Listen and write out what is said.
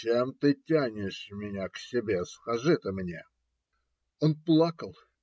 Чем ты тянешь меня к себе, скажи ты мне? Он плакал.